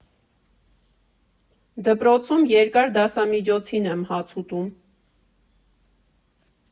Դպրոցում երկար դասամիջոցին եմ հաց ուտում։